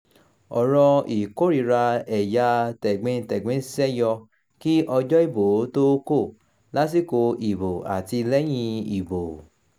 Ọ̀rọ̀ ìkórìíra ẹ̀yà tẹ̀gbintẹ̀gbin ṣẹ́ yọ kí ọjọ́ ìbò ó tó kò, lásìkò ìbò àti lẹ́yìn ìbò.